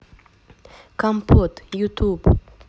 компот ютуб